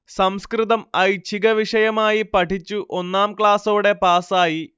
സംസ്കൃതം ഐച്ഛികവിഷയമായി പഠിച്ചു ഒന്നാം ക്ലാസ്സോടെ പാസ്സായി